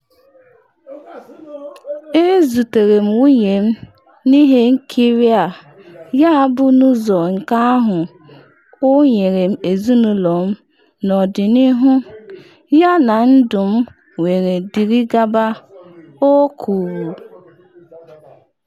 ‘Ezutere m nwunye m n’ihe nkiri a, yabụ n’ụzọ nke ahụ o nyere m ezinụlọ m n’ọdịnihu, ya na ndụ m were dịrị gaba.’ o kwuru.